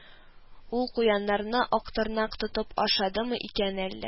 Ул куяннарны Актырнак тотып ашадымы икән әллә